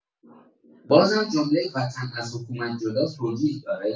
بازم جمله وطن از حکومت جداست توجیه داره؟